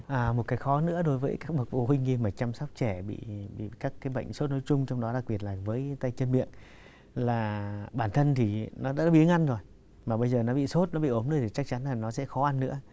à một cái khó nữa đối với các bậc phụ huynh khi mà chăm sóc trẻ bị bị các cái bệnh sốt nói chung trong đó đặc biệt là với tay chân miệng là bản thân thì nó đỡ biếng ăn rồi mà bây giờ nó bị sốt nó bị ốm nữa thì chắc chắn là nó sẽ khó ăn nữa